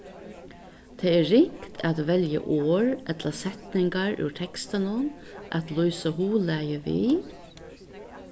tað er ringt at velja orð ella setningar úr tekstinum at lýsa huglagið við